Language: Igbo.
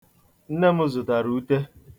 Nne m zụtara ute.